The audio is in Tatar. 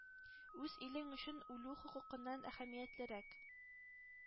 Үз илең өчен үлү хокукыннан әһәмиятлерәк?